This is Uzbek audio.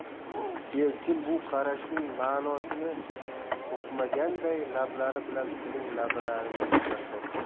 elchin bu qarashning ma'nosini uqmaganday lablari bilan uning lablarini izlab topdi